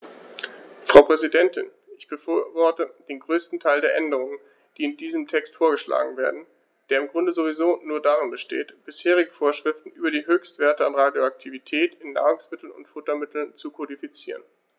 Frau Präsidentin, ich befürworte den größten Teil der Änderungen, die in diesem Text vorgeschlagen werden, der im Grunde sowieso nur darin besteht, bisherige Vorschriften über die Höchstwerte an Radioaktivität in Nahrungsmitteln und Futtermitteln zu kodifizieren.